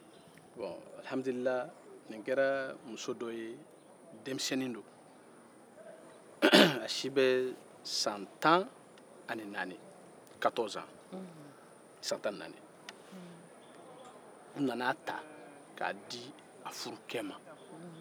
bɔn alihamduliyi nin kɛra muso dɔ ye denmisɛnnin don a si be san tan ni naani na unhun u nana a ta k'a di a furukɛ ma